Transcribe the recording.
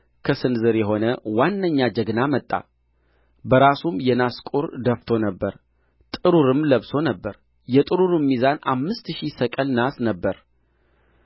ከስንዝር የሆነ ዋነኛ ጀግና መጣ በራሱም የናስ ቍር ደፍቶ ነበር ጥሩርም ለብሶ ነበር የጥሩሩም ሚዛን አምስት ሺህ ሰቅል ናስ ነበረ